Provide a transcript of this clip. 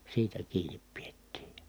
siitä kiinni pidettiin